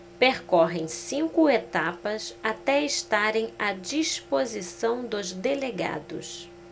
percorrem cinco etapas até estarem à disposição dos delegados